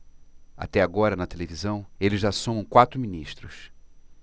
até agora na televisão eles já somam quatro ministros